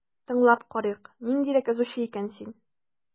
Тыңлап карыйк, ниндирәк язучы икән син...